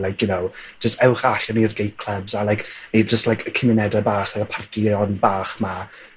Like you know jys ewch allan i'r gay clubs a like neu jys like y cymunede bach rhei o partion bach 'ma.